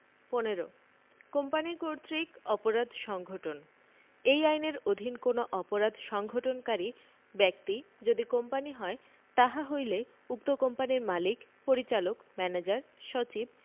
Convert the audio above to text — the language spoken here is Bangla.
১৫ কোম্পানী কর্তৃক অপরাধ সংঘটন এই আইনের অধীন কোন অপরাধ সংঘটনকারী ব্যক্তি যদি কোম্পানী হয় তাহা হইলে উক্ত কোম্পানীর মালিক পরিচালক ম্যানেজার সচিব